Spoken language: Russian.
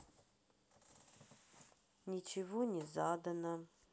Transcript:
ничего не задано